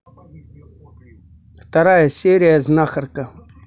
вторая серия знахарка